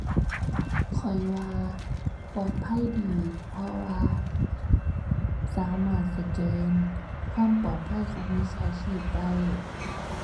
ข้อยว่าปลอดภัยดี เพราะว่าสามารถสแกนความปลอดภัยของมิจฉาชีพได้